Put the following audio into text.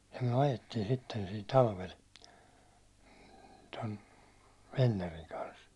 ja me ajettiin sitten siinä talvella tuon Vennerin kanssa